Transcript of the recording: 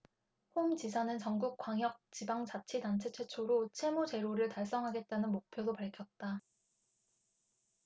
홍 지사는 전국 광역지방자치단체 최초로 채무 제로를 달성하겠다는 목표도 밝혔다